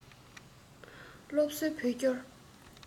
སློབ གསོའི བོད སྐྱོར